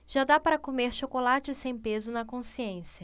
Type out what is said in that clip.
já dá para comer chocolate sem peso na consciência